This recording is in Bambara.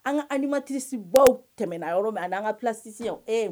An an matisi baw tɛmɛɛna yɔrɔ min ani an ka kilasi yan e